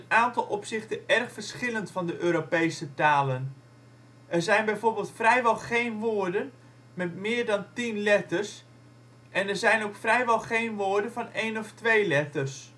aantal opzichten erg verschillend van de Europese talen. Er zijn bijvoorbeeld vrijwel geen woorden met meer dan tien " letters " en er zijn ook vrijwel geen woorden van één of twee letters